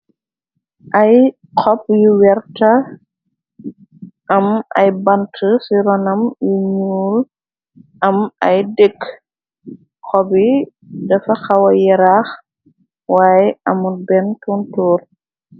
Ay xoob yu werta am ay bante ci ronam yu ñuul am ay dëkk xoob ye dafa xawa yeraax waaye amul benn tuntoor.